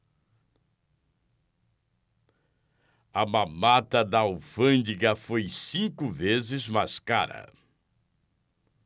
a mamata da alfândega foi cinco vezes mais cara